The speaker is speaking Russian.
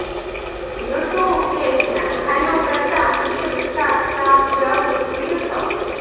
youtube песня але братан ну че ты как сам я уже выехал